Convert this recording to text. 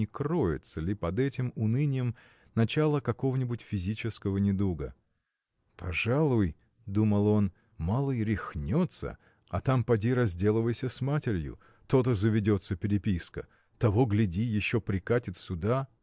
не кроется ли под этим унынием начало какого-нибудь физического недуга. Пожалуй – думал он – малый рехнется а там поди разделывайся с матерью то-то заведется переписка! того гляди, еще прикатит сюда.